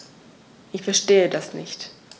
Ich verstehe das nicht.